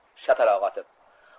shataloq otib